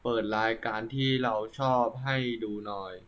เปิดรายการที่เราชอบให้ดูหน่อย